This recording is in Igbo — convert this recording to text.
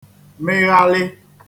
mịghalị